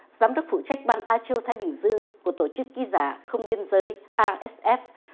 giám đốc phụ trách ban á châu thái bình dương của tổ chức ký giả không biên giới ta ét ép